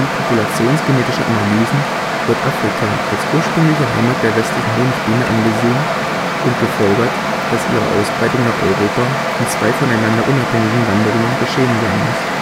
populationsgenetischer Analysen wird Afrika als ursprüngliche Heimat der Westlichen Honigbiene angesehen und gefolgert, dass ihre Ausbreitung nach Europa in zwei voneinander unabhängigen Wanderungen geschehen sein muss